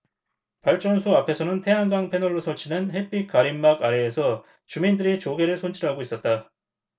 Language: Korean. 발전소 앞에서는 태양광 패널로 설치된 햇빛 가림막 아래에서 주민들이 조개를 손질하고 있었다